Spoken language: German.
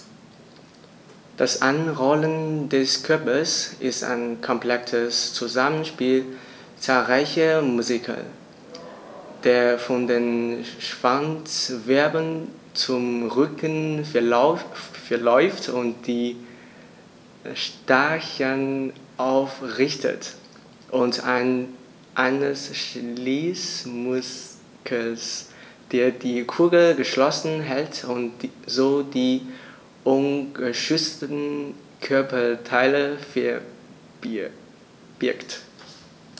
Das Einrollen des Körpers ist ein komplexes Zusammenspiel zahlreicher Muskeln, der von den Schwanzwirbeln zum Rücken verläuft und die Stacheln aufrichtet, und eines Schließmuskels, der die Kugel geschlossen hält und so die ungeschützten Körperteile verbirgt.